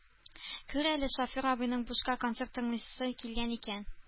Күр әле, шофер абыйның бушка концерт тыңлыйсы килгән икән